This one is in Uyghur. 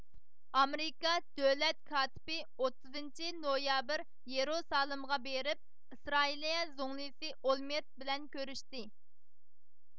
ئامېرىكا دۆلەت كاتىپى ئوتتۇزىنچى نويابىر يېرۇسالېمغا بېرىپ ئىسرائىلىيە زۇڭلىسى ئولمېرت بىلەن كۆرۈشتى